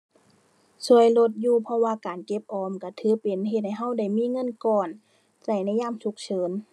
ช่วยลดอยู่ เพราะว่าการเก็บออมช่วยถือเป็นเฮ็ดให้ช่วยได้มีเงินก้อน ช่วยในยามฉุกเฉิน